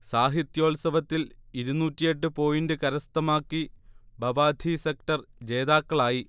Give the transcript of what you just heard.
സാഹിത്യോല്സവത്തിൽ ഇരുനൂറ്റി എട്ട് പോയിന്റ് കരസ്ഥമാക്കി ബവാധി സെക്ടർ ജേതാക്കളായി